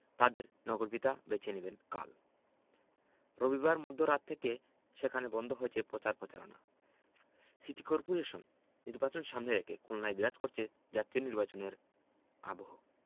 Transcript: তাঁদের নগরপিতা বেছে নেবেন কাল রবিবার মধ্যরাত থেকে সেখানে বন্ধ হয়েছে প্রচার প্রচারণা সিটি করপোরেশন নির্বাচন সামনে রেখে খুলনায় বিরাজ করছে জাতীয় নির্বাচনের আবহ